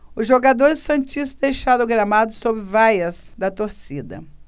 os jogadores santistas deixaram o gramado sob vaias da torcida